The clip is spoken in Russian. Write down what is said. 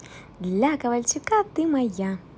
для ковальчука ты моя